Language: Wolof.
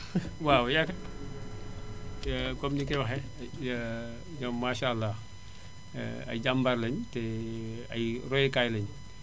waaw yaaka comme ni ñu koy waxee ñoom maasaa àllaa ay jàmbaar lañ te ay royukaay lañ